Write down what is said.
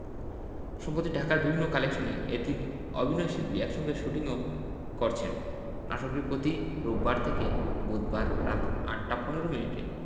সম্প্রতি ঢাকার বিভিন্ন কালেকেশনে এ তিন অভিনয়শিল্পী একসঙ্গে শুটিংও করেছেন আশা করি পতি রোববার থেকে বুধবার রাত ৮টা ১৫ মিনিটে